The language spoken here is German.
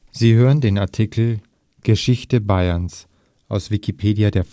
Sie hören den Artikel Geschichte Bayerns, aus Wikipedia, der